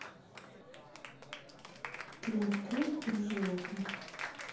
тром трум про животных